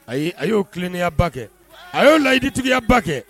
Ayi a y'o tileninyaba kɛ a y'o layiditigiyaba kɛ